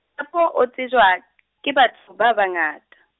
-epo o tsejwa, ke batho ba bangata.